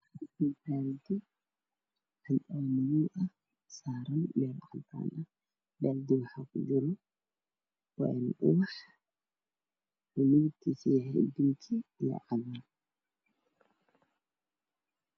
Waa baaldi madow ah oo saaran meel cadaan ah waxaa kujiro ubax kalarkiisu uu yahay bingi iyo cagaar.